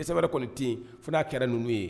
Ni sɛbɛnri kɔni tɛ f'a kɛra ninnu ye